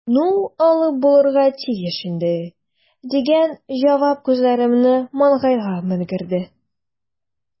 "ну, алып булырга тиеш инде", – дигән җавап күзләремне маңгайга менгерде.